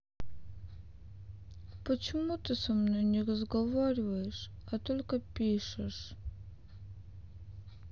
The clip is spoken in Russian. почему ты со мной не разговариваешь а только пишешь